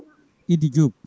Idy Diop